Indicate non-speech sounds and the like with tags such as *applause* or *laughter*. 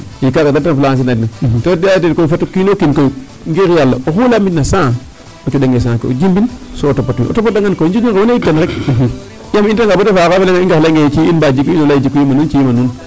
II kaga ref *unintelligible* fat o kiin o kiin koy ngir roog ngir yala oxu lamitna cent o cooɗange cent o jimbin so o topatwin o tapatwangaan koy jili ne o laykan rek yaam i ndetanga bata faaf a felanga i ngar layongee ci'i in mbaa jikwi in o lay ee jikwiim a nuun ci'iim a nuun.